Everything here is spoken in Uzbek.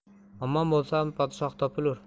omon bo'lsam podshoh topilur